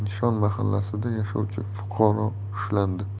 nishon mahallasida yashovchi fuqaro ushlandi